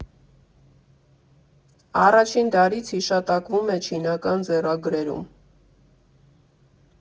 Առաջին դարից՝ հիշատակվում է չինական ձեռագրերում։